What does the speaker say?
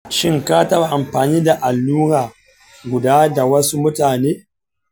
shin ka taɓa amfani da allura guda da wasu mutane?